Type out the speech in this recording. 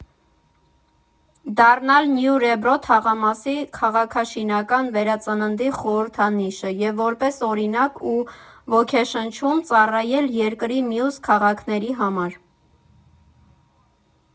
Դառնալ Նյորեբրո թաղամասի քաղաքաշինական վերածննդի խորհրդանիշը և որպես օրինակ ու ոգեշնչում ծառայել երկրի մյուս քաղաքների համար։